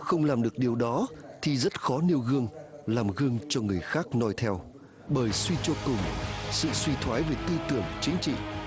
không làm được điều đó thì rất khó nêu gương làm gương cho người khác noi theo bởi suy cho cùng sự suy thoái về tư tưởng chính trị